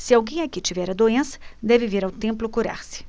se alguém aqui tiver a doença deve vir ao templo curar-se